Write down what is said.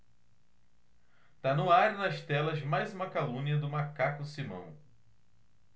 tá no ar e nas telas mais uma calúnia do macaco simão